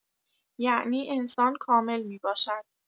یعنی انسان کامل می‌باشد.